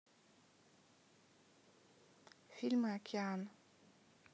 фильмы океан